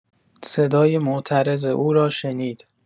صدای معترض او را شنید